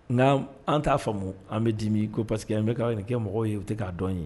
N' an t'a faamumu an bɛ dimi ko parce que an bɛ' ɲininka kɛ mɔgɔ ye o tɛ k'a dɔn ye